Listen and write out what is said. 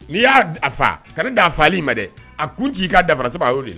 N'i y'a fa ka da a faali ma dɛ a kun ci'i' dafara se a yo de la